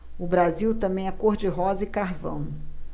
o brasil também é cor de rosa e carvão